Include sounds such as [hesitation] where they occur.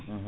[hesitation] [hesitation]